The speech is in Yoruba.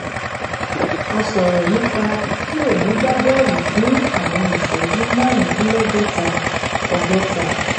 A sọ̀rọ̀ nípa kí òun gbá bọ́ọ̀lù fún àwọn ìṣẹ́jú márùndínlọ́gọ́ta, ọgọ́ta.